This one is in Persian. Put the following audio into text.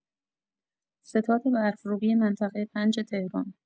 ستاد برف‌روبی منطقه ۵ تهران